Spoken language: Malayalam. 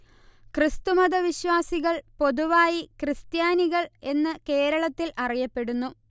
ക്രിസ്തുമത വിശ്വാസികൾ പൊതുവായി ക്രിസ്ത്യാനികൾ എന്ന് കേരളത്തിൽ അറിയപ്പെടുന്നു